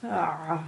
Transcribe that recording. Ah.